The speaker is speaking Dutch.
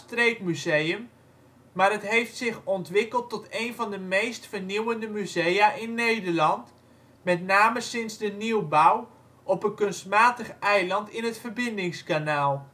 streekmuseum maar het heeft zich ontwikkeld tot één van de meest vernieuwende musea in Nederland, met name sinds de nieuwbouw, op een kunstmatig eiland in het Verbindingskanaal